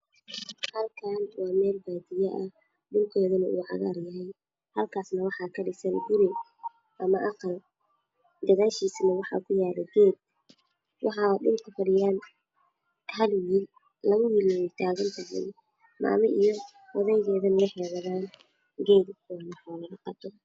Halkaan waa meel biyo biyo ah dhulkeeedu cagaar yahay halkaan waxaa ka dhisan guri ama aqal gadaashiisane waxaa ku yaalo geed waxaa dhulka fadhiyaan hal wiil labo wiil wey tagantahay maamo iyo odaygeedi meesha joogaan geed ku ag yaalo